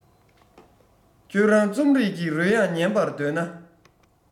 ཁྱོད རང རྩོམ རིག གི རོལ དབྱངས ཉན པར འདོད ན